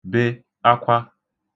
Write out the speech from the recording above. be akwa